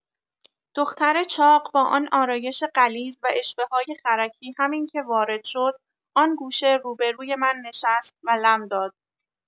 دختر چاق با آن آرایش غلیظ و اشوه‌های خرکی همین که وارد شد آن گوشه رو به روی من نشست و لم داد.